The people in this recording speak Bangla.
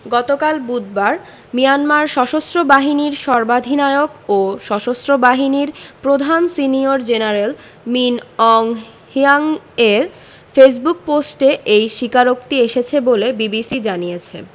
গতকাল বুধবার মিয়ানমার সশস্ত্র বাহিনীর সর্বাধিনায়ক ও সশস্ত্র বাহিনীর প্রধান সিনিয়র জেনারেল মিন অং হ্লিয়াংয়ের ফেসবুক পোস্টে এই স্বীকারোক্তি এসেছে বলে বিবিসি জানিয়েছে